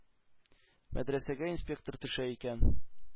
Мәдрәсәгә инспектор төшә икән,